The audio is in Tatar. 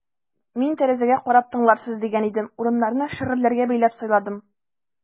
Мин тәрәзәгә карап тыңларсыз дигән идем: урыннарны шигырьләргә бәйләп сайладым.